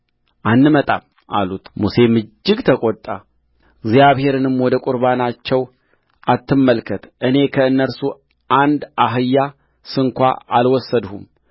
አንመጣም አሉሙሴም እጅግ ተቈጣ እግዚአብሔርንም ወደ ቍርባናቸው አትመልከት እኔ ከእነርሱ አንድ አህያ ስንኳ አልወሰድሁም